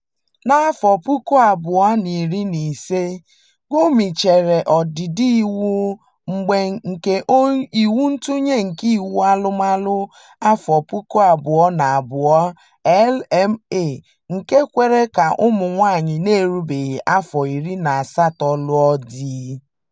Na 2016, Gyumi chere ọdịdị iwu mgba nke Iwu Ntụnye nke Iwu Alụmalụ, 2002 (LMA) nke kwere ka ụmụ nwaanyị na-erubeghị afọ 18 lụọ di.